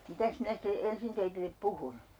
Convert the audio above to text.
mitäs minä sitten ensin teille puhun